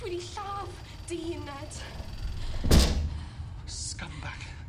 Dwi 'di lladd dyn Ned. Scumbag.